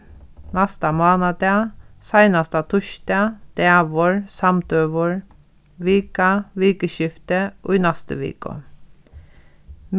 næsta mánadag seinasta týsdag dagur samdøgur vika vikuskifti í næstu viku